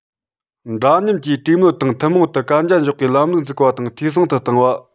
འདྲ མཉམ གྱིས གྲོས མོལ དང ཐུན མོང དུ གན རྒྱ འཇོག པའི ལམ ལུགས འཛུགས པ དང འཐུས ཚང དུ བཏང བ